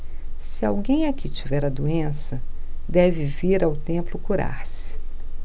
se alguém aqui tiver a doença deve vir ao templo curar-se